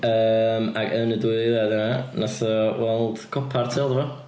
Yym ac yn y dwy eiliad yna, wnaeth o weld copper tu ôl iddo fo.